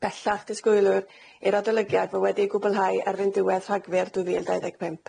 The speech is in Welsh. Bellach disgwylwyr i'r adolygiad fo' wedi ei gwblhau erbyn diwedd Rhagfyr dwy fil dau ddeg pump.